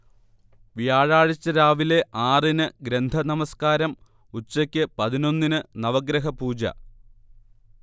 വ്യാഴാഴ്ച രാവിലെ ആറിന് ഗ്രന്ഥ നമസ്കാരം, ഉച്ചയ്ക്ക് പതിനൊന്നിന് നവഗ്രഹപൂജ